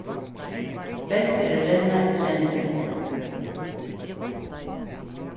best er at renna eftir rennibreytini